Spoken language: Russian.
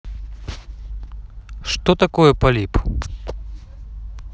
что такое полип